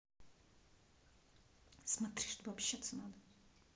смотри чтобы общаться надо